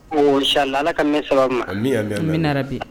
Bon sala ala ka ne saba ma bi